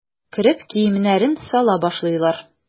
Кереп киемнәрен сала башлыйлар.